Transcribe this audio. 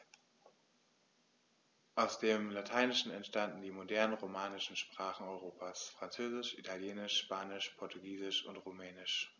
Aus dem Lateinischen entstanden die modernen „romanischen“ Sprachen Europas: Französisch, Italienisch, Spanisch, Portugiesisch und Rumänisch.